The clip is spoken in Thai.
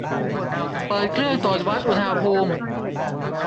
เปิดเครื่องตรวจวัดอุณหภูมิ